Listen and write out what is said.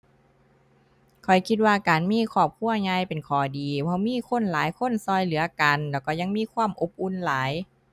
ข้อยคิดว่าการมีครอบครัวใหญ่เป็นข้อดี เพราะมีคนหลายคนช่วยเหลือกัน แล้วก็ยังมีความอบอุ่นหลาย